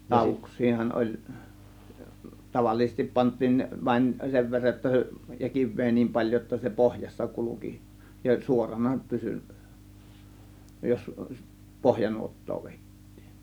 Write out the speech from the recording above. lauduksiahan oli tavallisesti pantiin vain sen verran jotta se ja kiveä niin paljon jotta se pohjassa kulki ja suorana pysyi jos pohjanuottaa vedettiin